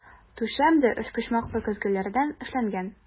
Түшәм дә өчпочмаклы көзгеләрдән эшләнгән.